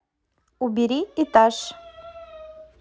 убери этаж